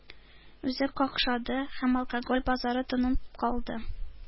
Үзе какшады һәм алкоголь базары тынып калды.